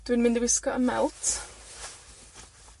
dwi'n mynd i wisgo 'ym melt.